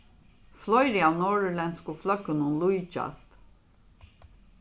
fleiri av norðurlendsku fløggunum líkjast